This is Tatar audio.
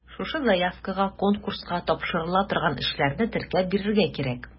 Шушы заявкага конкурска тапшырыла торган эшләрне теркәп бирергә кирәк.